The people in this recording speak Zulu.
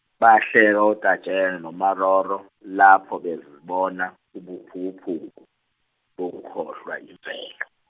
bahleka oTajewo noMeroro lapho bezibona ubuphukuphuku bokukhohlwa imvelo.